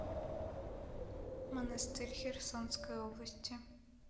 монастырь херсонской области